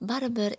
bari bir